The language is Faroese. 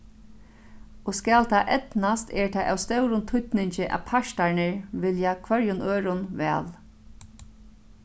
og skal tað eydnast er tað av stórum týdningi at partarnir vilja hvørjum øðrum væl